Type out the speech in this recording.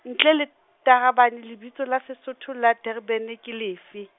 ntle le Tarabane lebitso la Sesotho la Durban ke lefe?